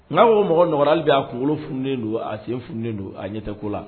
N'a ko mɔgɔ nɔgɔya b'a kunkolo funen don a sen funen don a ɲɛ tɛ ko la